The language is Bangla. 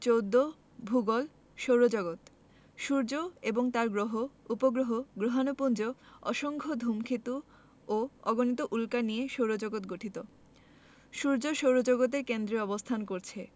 ১৪ ভূগোল সৌরজগৎ সূর্য এবং তার গ্রহ উপগ্রহ গ্রহাণুপুঞ্জ অসংখ্য ধুমকেতু ও অগণিত উল্কা নিয়ে সৌরজগৎ গঠিত সূর্য সৌরজগতের কেন্দ্রে অবস্থান করছে